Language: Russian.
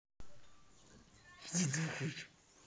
иди нахуй